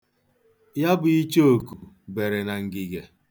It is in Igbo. Ya bụ Ichooku bere na ngige.